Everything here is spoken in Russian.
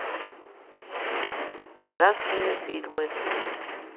страшные фильмы